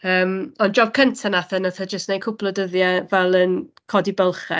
Yym, ond job cynta wnaeth e wnaeth e jyst wneud cwpl o dyddiau fel yn codi bylchau.